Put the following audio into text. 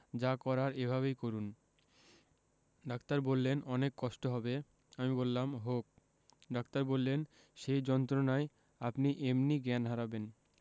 যা করার এভাবেই করুন ডাক্তার বললেন অনেক কষ্ট হবে আমি বললাম হোক ডাক্তার বললেন সেই যন্ত্রণায় আপনি এমনি জ্ঞান হারাবেন